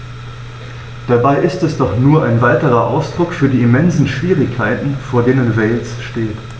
Dabei ist es doch nur ein weiterer Ausdruck für die immensen Schwierigkeiten, vor denen Wales steht.